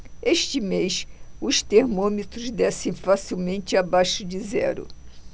este mês os termômetros descem facilmente abaixo de zero